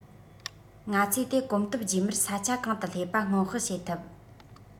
ང ཚོས དེ གོམ སྟབས རྗེས མར ས ཆ གང དུ སླེབས པ སྔོན དཔག བྱེད ཐུབ